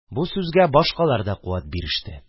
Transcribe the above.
Бу сүзгә башкалар да куәт биреште.